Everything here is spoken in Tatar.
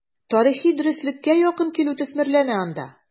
Тарихи дөреслеккә якын килү төсмерләнә анда.